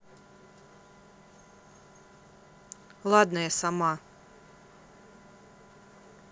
ладно я сама